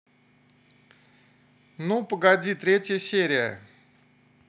ну погоди третья серия